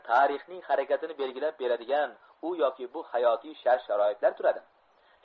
tarixning harakatini belgilab beradigan u yoki bu hayotiy shart sharoitlar turadi